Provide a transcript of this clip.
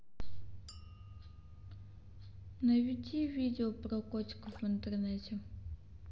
найди видео про котиков в интернете